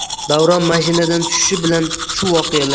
davron mashinadan tushishi bilan shu